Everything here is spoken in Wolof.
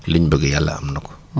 liñ bëgg yàlla am na ko